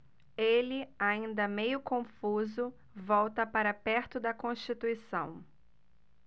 ele ainda meio confuso volta para perto de constituição